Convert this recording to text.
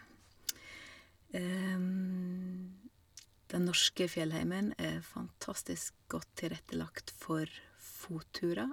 Den norske fjellheimen er fantastisk godt tilrettelagt for fotturer.